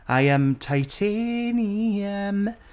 I am titanium.